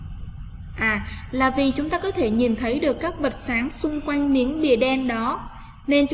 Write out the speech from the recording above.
là vì chúng ta có thể nhìn thấy được các vật sáng xung quanh miếng bìa đen đó nên